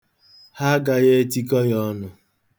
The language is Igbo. Ha agaghị etiko ya ọnụ.